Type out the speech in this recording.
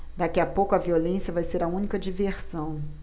daqui a pouco a violência vai ser a única diversão